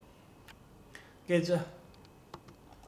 སྐད ཆ